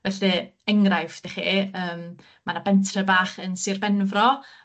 Felly, enghraifft i chi yym ma' 'na bentre bach yn Sir Benfro